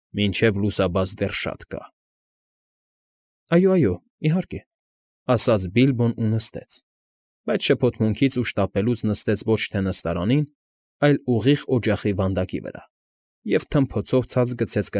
Մինչև լուսաբաց դեռ շատ ժամանակ կա։ ֊ Այո, այո, իհարկե, ֊ ասաց Բիլբոն ու նստեց, բայց շփոթմունքից ու շտապելուց նստեց ոչ թե նստարանին, այլ ուղիղ օջախի վանդակի վրա և թմփոցով ցած գցեց։